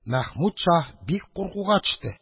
Мәхмүд шаһ бик куркуга төште.